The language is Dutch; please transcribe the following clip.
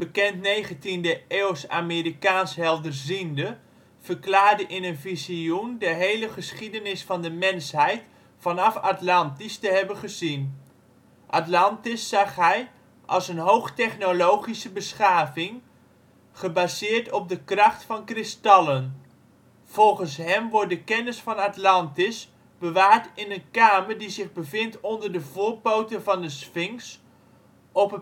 Cayce, een bekend 19e-eeuws Amerikaans helderziende, verklaarde in een visioen de hele geschiedenis van de mensheid vanaf Atlantis te hebben gezien. Atlantis zag hij als een hoogtechnologische beschaving, gebaseerd op de kracht van kristallen. Volgens hem wordt de kennis van Atlantis bewaard in een kamer die zich bevindt onder de voorpoten van de sfinx op